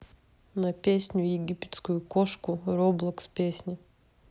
на песню египетскую кошку роблокс песни